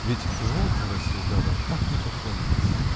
Ведь вот, рассуждал он, как не похвалить?